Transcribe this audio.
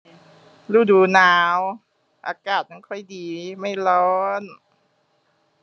ฤดูหนาว อากาศจั่งค่อยดี ไม่ร้อน